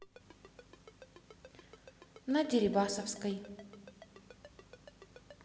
на дерибасовской